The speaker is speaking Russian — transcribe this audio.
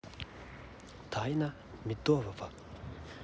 тайна медового